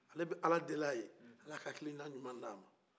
ne bɛ ala deli a ye ala ka hakilila ɲuman di a ma